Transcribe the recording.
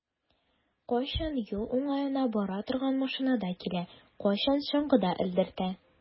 Кайчан юл уңаена бара торган машинада килә, кайчан чаңгыда элдертә.